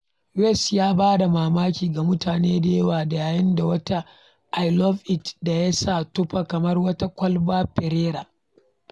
West ya ba da mamaki ga mutane da yawa da yin wata waƙa “I love it”, da ya sa tufa kamar wata Kwalbar Perrier.